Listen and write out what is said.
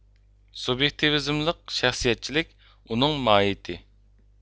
سۇبيېكتىۋىزملىق شەخسىيەتچىلىك ئۇنىڭ ماھىيىتى